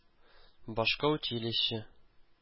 Башка училище